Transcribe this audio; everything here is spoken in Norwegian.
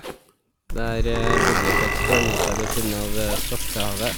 Der bodde vi på et strandhotell ved siden av Svartehavet.